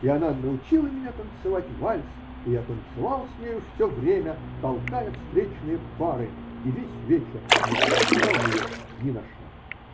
И она научила меня танцевать вальс, и я танцевал с нею все время, толкая встречные пары, и весь вечер не отпускал ее ни на шаг.